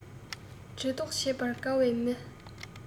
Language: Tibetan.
འདྲི རྟོགས བྱེད པར དགའ བའི མི